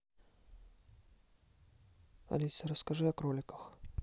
алиса расскажи о кроликах